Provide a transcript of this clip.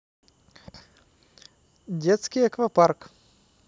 детский аквапарк